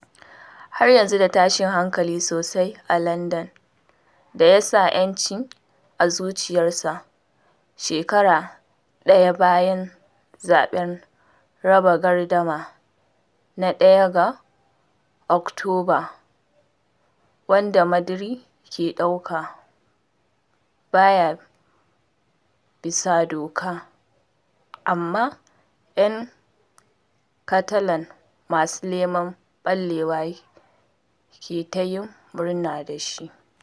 Har yanzu da tashin hankali sosai a lardin da ya sa ‘yanci a zuciyarsa shekara ɗaya bayan zaɓen raba gardama na 1 ga Oktoba wanda Madrid ke ɗauka ba ya bisa doka amma ‘yan Catalan masu neman ɓallewa ke ta yin murna da shi.